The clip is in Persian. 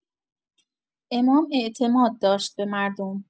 امام اعتماد داشت به مردم.